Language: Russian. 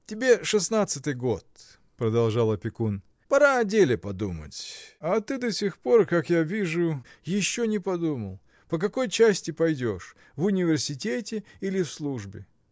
— Тебе шестнадцатый год, — продолжал опекун, — пора о деле подумать, а ты до сих пор, как я вижу, еще не подумал, по какой части пойдешь в университете и в службе.